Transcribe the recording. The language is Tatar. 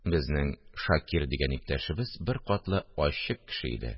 Безнең Шакир дигән иптәшебез беркатлы ачык кеше иде